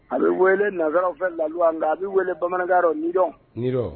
A bɛ wele nazaraw fɛ la loi nk'a bɛ weele bamanankan nɔ nilɔn, nilɔn?